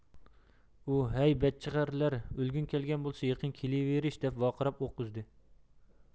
ئۇ ھەي بەچچىخەرلەر ئۆلگۈڭ كەلگەن بولسا يېقىن كېلىۋېرىش دەپ ۋارقىراپ ئوق ئۈزدى